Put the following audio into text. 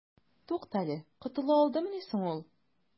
Туктале, котыла алдымыни соң ул?